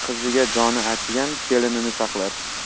qiziga joni achigan kelinini saqlar